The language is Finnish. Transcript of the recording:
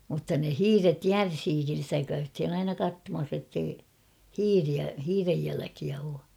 mutta ne hiiret järsiikin sitä käytiin aina katsomassa että ei hiiriä hiiren jälkiä ole